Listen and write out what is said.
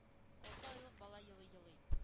Алты айлык бала елый-елый ,